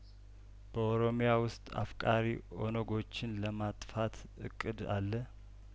በኦሮሚያ ውስጥ አፍቃሪ ኦነጐችን ለማጥፋት እቅድ አለ